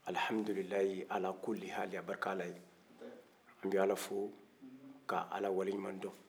alhamdulillah ala kulli hal a barika ala ye an bɛ ala fo ka ala waleŋuman dɔn